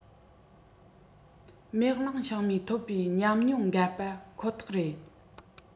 མེ གླིང བྱང མའི ཐོབ པའི ཉམས མྱོང འགའ པ ཁོ ཐག རེད